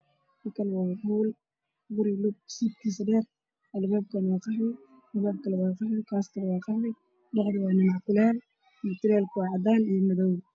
Waxa waxaa ii muuqday guri ka kooban dhowr qol oo Iskasoo horjooga guriga midabkiisu waa caddaan albaabadana waa madow